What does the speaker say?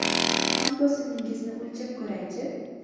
qon bosimingizni o'lchab ko'raychi